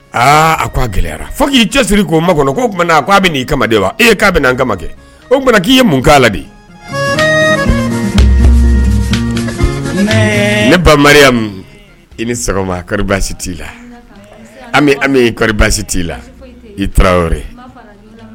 Aa a ko a gɛlɛyara fo k'i cɛsiri k' o ma kɔnɔ ko o tumaumana k'a bɛ'i kamaden wa e ye k'a bɛ an kama kɛ o tuma k'i ye mun k' la de ne baya min i ni sɔgɔma kariɔri basi t'i la an bɛɔri baasi t'i la i tarawele